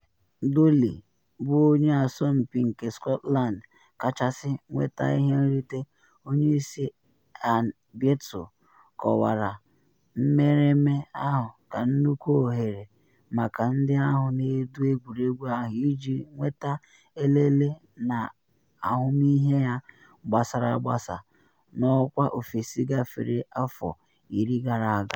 Doyle bụ onye asọmpi nke Scotland kachasị nweta ihe nrite, onye isi Ian Beattle kọwara mmereme ahụ ka nnukwu ohere maka ndị ahụ na edu egwuregwu ahụ iji nwete elele n’ahụmịhe ya gbasara agbasa n’ọkwa ofesi gafere afọ iri gara aga.